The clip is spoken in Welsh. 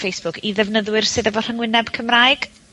Facebook i ddefnyddwyr sydd efo rhyngwyneb Cymraeg.